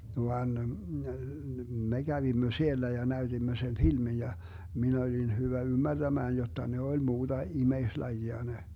vaan me kävimme siellä ja näytimme sen filmin ja minä olin hyvä ymmärtämään jotta ne oli muuta ihmislajia ne